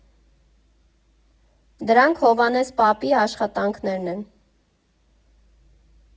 Դրանք Հովհաննես պապի աշխատանքներն են։